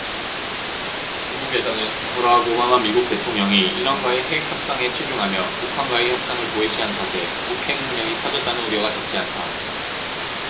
중국에서는 버락 오바마 미국 대통령이 이란과의 핵 협상에 치중하며 북한과의 협상을 도외시한 탓에 북핵 능력이 커졌다는 우려가 적지 않다